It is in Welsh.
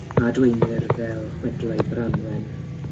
a adwaenir fel chwedlau Branwen